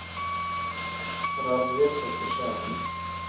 разведка сша